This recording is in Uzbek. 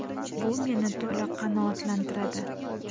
bu meni to'la qanoatlantiradi